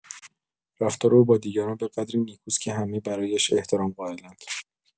رفتار او با دیگران به قدری نیکوست که همه برایش احترام قائل‌اند.